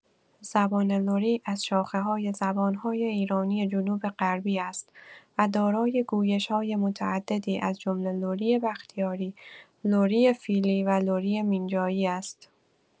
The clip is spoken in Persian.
زبان لری از شاخه‌های زبان‌های ایرانی جنوب‌غربی است و دارای گویش‌های متعددی از جمله لری بختیاری، لری فیلی و لری مینجایی است.